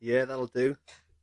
Ie fel ydyw.